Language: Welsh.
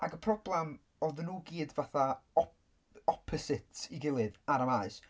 Ac y problem... Oedden nhw gyd fatha op- opposite ei gilydd ar y maes.